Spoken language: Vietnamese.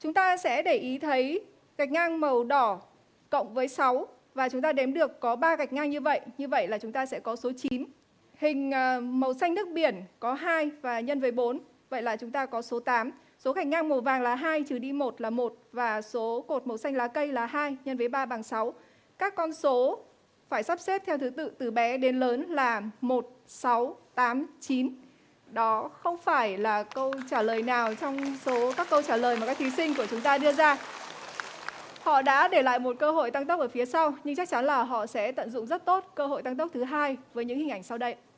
chúng ta sẽ để ý thấy gạch ngang màu đỏ cộng với sáu và chúng ta đếm được có ba gạch ngang như vậy như vậy là chúng ta sẽ có số chín hình ờ màu xanh nước biển có hai và nhân với bốn vậy là chúng ta có số tám số gạch ngang màu vàng là hai trừ đi một là một và số cột màu xanh lá cây là hai nhân với ba bằng sáu các con số phải sắp xếp theo thứ tự từ bé đến lớn là một sáu tám chín đó không phải là câu trả lời nào trong số các câu trả lời mà các thí sinh của chúng ta đưa ra họ đã để lại một cơ hội tăng tốc ở phía sau nhưng chắc chắn là họ sẽ tận dụng rất tốt cơ hội tăng tốc thứ hai với những hình ảnh sau đây